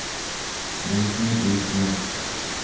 грустные песни